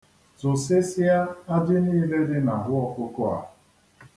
Tụsịsịa ajị niile dị n'ahụ ọkụkọ a.